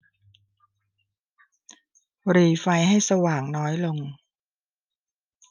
หรี่ไฟให้สว่างน้อยลง